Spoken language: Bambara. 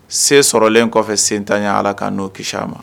Sen sɔrɔlen kɔfɛ sentan ɲɛ ala k' n'o ki ma